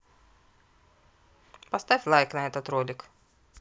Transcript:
поставь лайк на этот ролик